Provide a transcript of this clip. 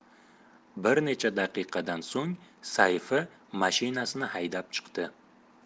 bir necha daqiqadan so'ng sayfi mashinasini haydab chiqdi